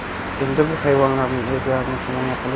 endi bu hayvonlarning o'zlarini